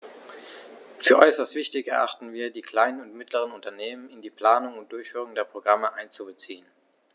Für äußerst wichtig erachten wir, die kleinen und mittleren Unternehmen in die Planung und Durchführung der Programme einzubeziehen.